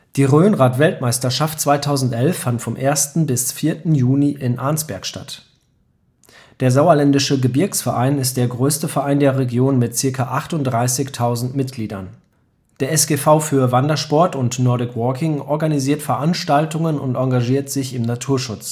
Die Rhönrad-Weltmeisterschaft 2011 fand vom 1. bis 4. Juni in Arnsberg statt. Der Sauerländische Gebirgsverein ist der größte Verein der Region mit zirka 38.000 Mitgliedern. Der SGV für Wandersport und Nordic Walking organisiert Veranstaltungen und engagiert sich im Naturschutz